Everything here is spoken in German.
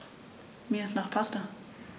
Mir ist nach Pasta.